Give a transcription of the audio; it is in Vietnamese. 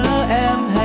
thờ